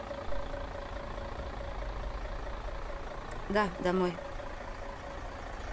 да домой